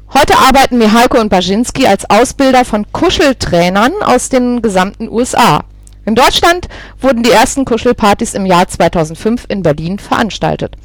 arbeiten Mihalko und Baczynski als Ausbilder von Kuscheltrainern aus den gesamten USA. In Deutschland wurden die ersten Kuschelpartys im Jahr 2005 in Berlin veranstaltet